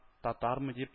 Татармы дип